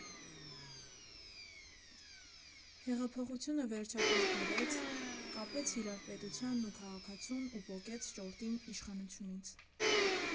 Հեղափոխությունը վերջապես բերեց, կապեց իրար պետությանն ու քաղաքացուն ու պոկեց ճորտին իշխանությունից։